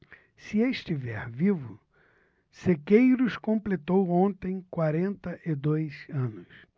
se estiver vivo sequeiros completou ontem quarenta e dois anos